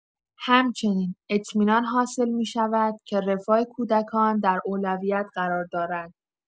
همچنین، اطمینان حاصل می‌شود که رفاه کودکان در اولویت قرار دارد.